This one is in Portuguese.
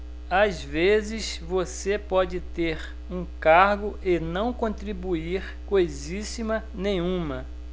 às vezes você pode ter um cargo e não contribuir coisíssima nenhuma